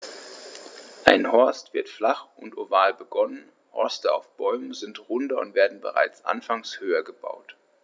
Ein Horst wird flach und oval begonnen, Horste auf Bäumen sind runder und werden bereits anfangs höher gebaut.